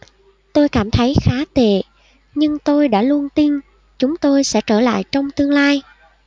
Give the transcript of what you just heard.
tôi cảm thấy khá tệ nhưng tôi đã luôn tin chúng tôi sẽ trở lại trong tương lai